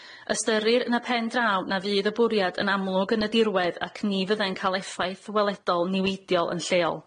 Ystyrir yn y pen draw na fydd y bwriad yn amlwg yn y dirwedd ac ni fyddai'n ca'l effaith weledol niweidiol yn lleol.